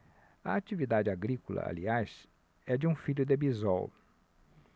a atividade agrícola aliás é de um filho de bisol